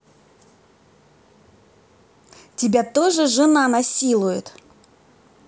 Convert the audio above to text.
тебя тоже жена насилует